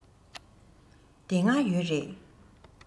དེ སྔ ཡོད རེད